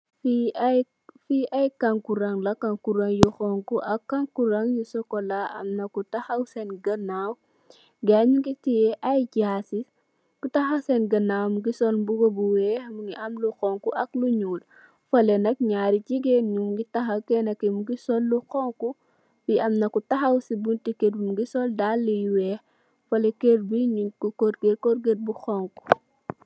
Fi ay fi ay kankuran la kankuran yu xonxu ak kankuran yu chocola amna ko taxaw sen ganaw gaay nyugi tiye ay jasi ko taxaw sen ganaw mongi sol mbuba bu weex mogi am lu xonxu ak lu nuul naari jigeen nyungi taxaw kenen ki mogi sol lu xonxu fi amna ko taxaw si bunti keur bi mogi sol daala yu weex keur bi nyu ko korget korget bu xonxu.